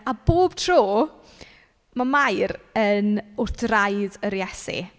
A bob tro, ma' Mair yn... wrth draed yr Iesu.